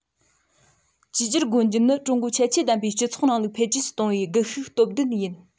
བསྒྱུར བཅོས སྒོ འབྱེད ནི ཀྲུང གོའི ཁྱད ཆོས ལྡན པའི སྤྱི ཚོགས རིང ལུགས འཕེལ རྒྱས གཏོང བའི སྒུལ ཤུགས སྟོབས ལྡན ཡིན